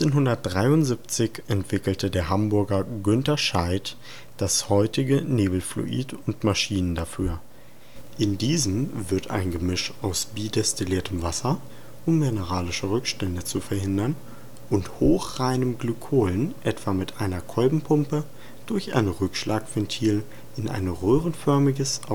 1973 entwickelte der Hamburger Günther Schaidt das heutige Nebelfluid und Maschinen dafür. In diesen wird ein Gemisch aus bidestilliertem Wasser (um mineralische Rückstände zu verhindern) und hochreinen Glykolen etwa mit einer Kolbenpumpe durch ein Rückschlagventil in ein rohrförmiges